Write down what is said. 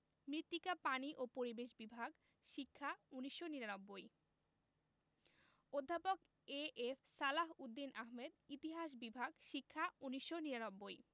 মৃত্তিকা পানি ও পরিবেশ বিভাগ শিক্ষা ১৯৯৯ অধ্যাপক এ.এফ সালাহ উদ্দিন আহমদ ইতিহাস বিভাগ শিক্ষা ১৯৯৯